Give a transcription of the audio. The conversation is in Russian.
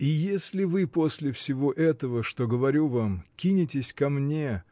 И если вы после всего этого, что говорю вам, — кинетесь ко мне.